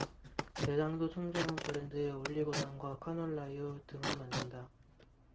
대상도 청정원 브랜드의 올리고당과 카놀라유 등을 만든다